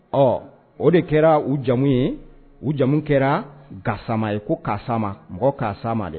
Ɔ o de kɛra u jamu ye u jamu kɛra Gasama ye ko kasama mɔgɔ kana s'a ma dɛ.